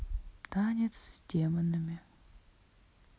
танец с демонами